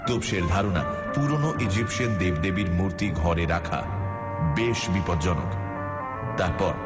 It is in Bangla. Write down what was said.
তোপসের ধারনা পুরোনো ইজিপ্সিয়ান দেবদেবীএ মুর্তি ঘরে রাখা বেশ বিপজ্জনক তারপর